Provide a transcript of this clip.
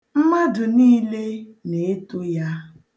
Mmadụ niile na-eto ya.